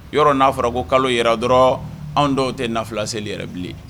Yɔrɔ n'a fɔra ko kalo yɛrɛ dɔrɔn anw dɔw tɛ nafula selen yɛrɛ bilen